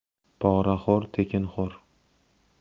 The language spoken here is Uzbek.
poraxo'r tekinxo'r